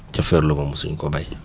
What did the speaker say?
ca Ferlo ba mosu ñu koo béy